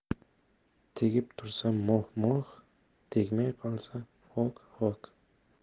tegib tursa mo'h mo'h tegmay qolsa ho'k ho'k